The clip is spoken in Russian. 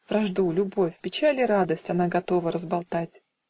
Вражду, любовь, печаль и радость Она готова разболтать.